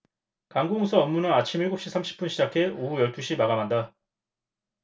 관공서 업무는 아침 일곱 시 삼십 분 시작해 오후 열 두 시 마감한다